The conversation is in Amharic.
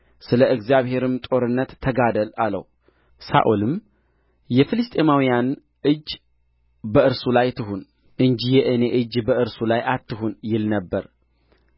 ስለ እግዚአብሔርም ጦርነት ተጋደል አለው ሳኦልም የፍልስጥኤማውያን እጅ በእርሱ ላይ ትሁን እንጂ የእኔ እጅ በእርሱ ላይ አትሁን ይል ነበር